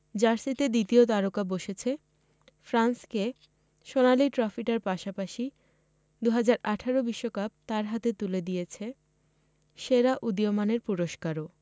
জার্সিতে দ্বিতীয় তারকা বসেছে ফ্রান্সকে সোনালি ট্রফিটার পাশাপাশি ২০১৮ বিশ্বকাপ তাঁর হাতে তুলে দিয়েছে সেরা উদীয়মানের পুরস্কারও